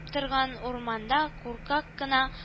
Торган урманда куркак кына